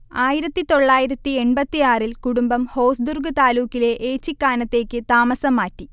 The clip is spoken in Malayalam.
ആയിരത്തി തൊള്ളായിരത്തി എണ്പത്തിയാറിൽ കുടുംബം ഹോസ്ദുർഗ് താലൂക്കിലെ ഏച്ചിക്കാനത്തേക്ക് താമസം മാറ്റി